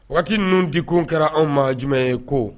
Waati ninnu di ko kɛra anw ma jumɛn ye ko